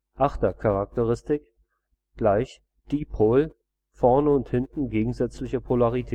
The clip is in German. Achtercharakteristik = Dipol, vorne und hinten gegensätzliche Polarität